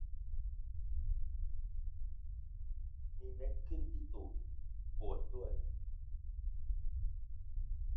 มีเม็ดขึ้นที่ตูดปวดด้วย